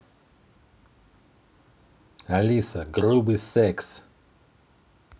алиса грубый секс